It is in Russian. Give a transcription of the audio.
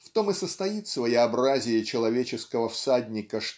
В том и состоит своеобразие человеческого всадника